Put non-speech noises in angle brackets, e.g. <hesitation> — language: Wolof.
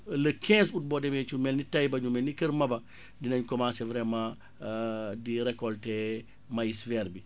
le quinze août boo demee ci lu mel ni Taïba ñu mel ni Kër Maba dinañ commencer vraiment <hesitation> di récolter maïs vert bi